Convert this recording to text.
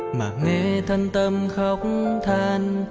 mà nghe thâm tâm khóc than